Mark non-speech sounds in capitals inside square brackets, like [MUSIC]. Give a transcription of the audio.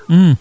[SMACKS LIPS]